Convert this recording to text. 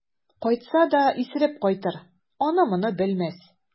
Кайтса да исереп кайтыр, аны-моны белмәс.